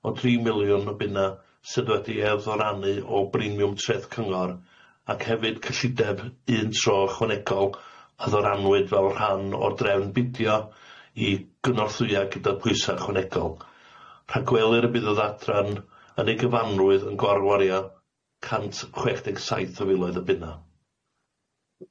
o dri miliwn o bunna sydd wedi ei ddoranu o briniwm treth cyngor ac hefyd cyllideb un tro ychwanegol a ddoranwyd fel rhan o drefn budio i gynorthwya gyda pwysa ychwanegol, rhagwelir y bydd yr adran yn ei gyfanrwydd yn gorwario cant chwech deg saith o filoedd o bunna.